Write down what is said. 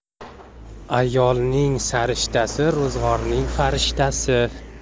ayolning sarishtasi ro'zg'orning farishtasi